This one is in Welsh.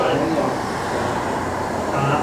Da iawn da iawn.